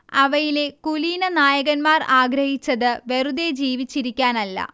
അവയിലെ കുലീനനായകന്മാർ ആഗ്രഹിച്ചത് വെറുതേ ജീവിച്ചിരിക്കാനല്ല